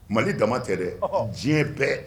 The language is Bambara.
Mali dama tɛ dɛ, diɲɛ bɛɛ.